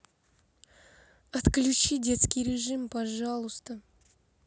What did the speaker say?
отключи детский режим пожалуйста